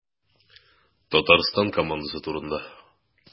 Татарстан командасы турында.